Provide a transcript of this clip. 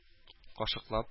Кашыклап